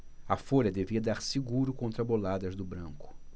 a folha devia dar seguro contra boladas do branco